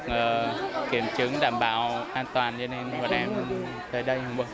kiểm chứng đảm bảo an toàn cho nên bọn em tới đây mua